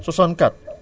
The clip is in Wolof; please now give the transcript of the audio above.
50